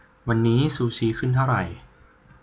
วันนี้ซูชิขึ้นเท่าไหร่